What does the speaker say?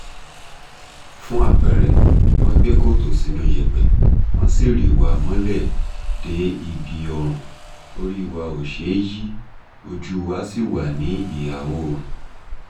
Fún àpẹẹrẹ, wọ́n gbẹ́ kòtò sínú iyẹ̀pẹ̀, wọ́n sì rì wá mọ́lẹ̀ dé ibi ọrùn, orí wa ò ṣe é yí, ojú wa sì wà ní ìhà oòrùn.